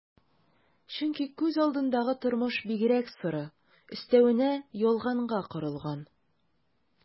Чөнки күз алдындагы тормыш бигрәк соры, өстәвенә ялганга корылган...